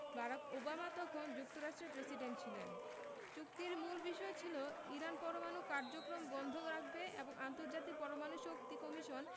Barack Obama তখন যুক্তরাষ্ট্রের president ছিলেন চুক্তির মূল বিষয় ছিল ইরান পরমাণু কার্যক্রম বন্ধ রাখবে এবং আন্তর্জাতিক পরমাণু শক্তি কমিশন